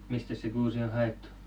mistäs se kuusi on haettu